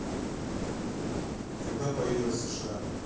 когда появилась сша